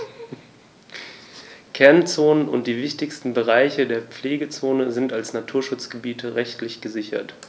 Kernzonen und die wichtigsten Bereiche der Pflegezone sind als Naturschutzgebiete rechtlich gesichert.